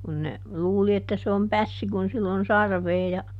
kun ne luuli että se on pässi kun sillä on sarvea ja